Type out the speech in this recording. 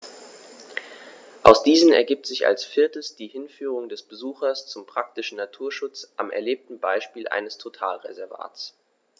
Aus diesen ergibt sich als viertes die Hinführung des Besuchers zum praktischen Naturschutz am erlebten Beispiel eines Totalreservats.